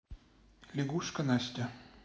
лягушка настя